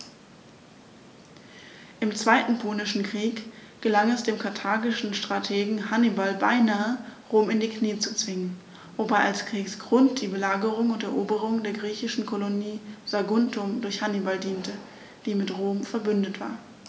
Im Zweiten Punischen Krieg gelang es dem karthagischen Strategen Hannibal beinahe, Rom in die Knie zu zwingen, wobei als Kriegsgrund die Belagerung und Eroberung der griechischen Kolonie Saguntum durch Hannibal diente, die mit Rom „verbündet“ war.